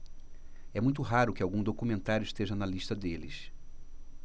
é muito raro que algum documentário esteja na lista deles